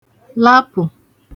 lapụ̀